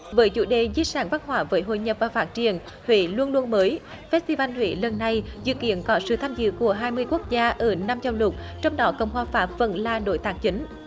với chủ đề di sản văn hóa với hội nhập và phát triển huế luôn luôn mới phét ti van huế lần này dự kiến có sự tham dự của hai mươi quốc gia ở năm châu lục trong đó cộng hòa pháp vẫn là đối tác chính